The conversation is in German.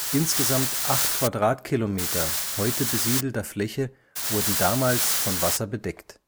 Insgesamt 8 km² heute besiedelter Fläche wurden damals von Wasser bedeckt